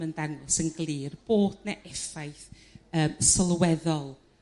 yn dangos yn glir bod 'na effaith yrr sylweddol